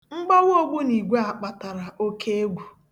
Mgbawa ogbunigwe a kpatara okeegwu